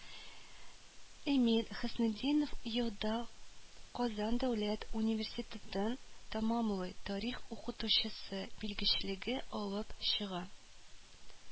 Эмиль Хөснетдинов елда Казан дәүләт университетын тәмамлый, тарих укытучысы белгечлеге алып чыга